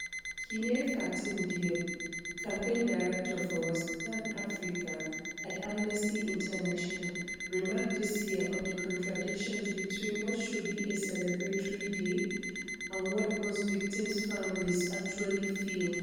Kiné-Fatim Diop, campaign director for Western Africa at Amnesty International, remarked this year on the contradictions between what should be a celebratory day and what most victims’ families actually feel: